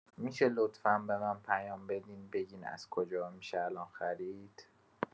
می‌شه لطفا به من پیام بدین بگین از کجاها می‌شه الان خرید؟